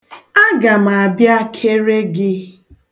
Aga m abịa kere gị.